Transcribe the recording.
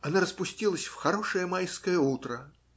Она распустилась в хорошее майское утро